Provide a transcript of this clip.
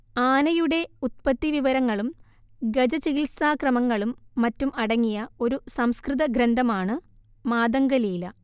ആനയുടെ ഉത്പത്തിവിവരങ്ങളും ഗജചികിത്സാക്രമങ്ങളും മറ്റും അടങ്ങിയ ഒരു സംസ്കൃത ഗ്രന്ഥമാണ് മാതംഗലീല